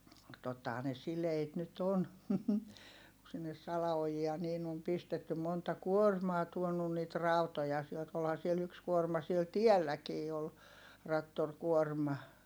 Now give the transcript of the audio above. tottahan ne sileitä nyt on kun sinne salaojia niin on pistetty monta kuormaa tuonut niitä rautoja sieltä olihan siellä yksi kuorma siellä tielläkin oli traktorikuorma